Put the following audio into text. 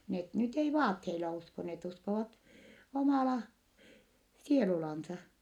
ne nyt ei vaatteilla usko ne uskovat omalla sielullaan